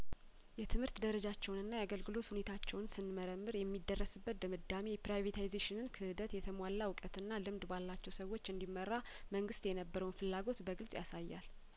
የትምህርት ደረጃቸውንና የአገልግሎት ሁኔታቸውን ስንመረምር የሚደረስ በት ድምዳሜ የፕራይቬታይዜሽንን ክህደት የተሟላ እውቀትና ልምድ ባላቸው ሰዎች እንዲመራ መንግስት የነበረውን ፍላጐት በግልጽ ያሳያል